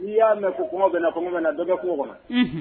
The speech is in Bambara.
N'i y'a mɛn ko kongɔ bɛna kɔngɔ bɛna dɔ bɛ kungo kɔnɔ, unhun